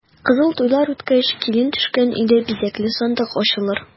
Кызыл туйлар үткәч, килен төшкән өйдә бизәкле сандык ачылыр.